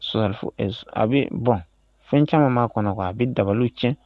fo es a be bon fɛn caman ma kɔnɔ quoi a be dabaliw tiɲɛ